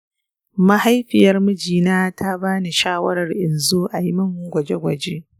mahaifiyar mijina ta ba ni shawarar in zo a yi min gwaje-gwaje.